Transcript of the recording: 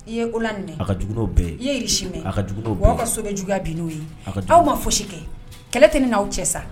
I ye ko minɛ a ka jugu bɛɛ i ye y' minɛ a ka aw ka sobɛ juguyaya bin n'o ye aw ma foyisi kɛ kɛlɛ tɛ ni n' awaw cɛ sa